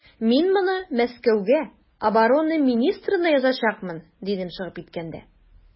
Мин моны Мәскәүгә оборона министрына язачакмын, дидем чыгып киткәндә.